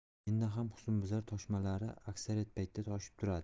menda ham husnbuzar toshmalari aksariyat paytda toshib turadi